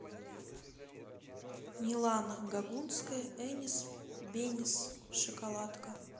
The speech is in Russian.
милана гогунская энис бенис шоколадка